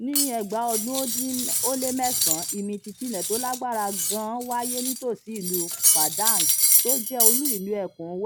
Ọdún 2009: Ìmìtìtì ilẹ̀ tó lágbára gan-an wáyé nítòsí ìlú Padang, tó jẹ́ olú ìlú ẹkùn